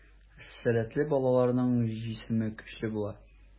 Сәләтле балаларның җисеме көчле була.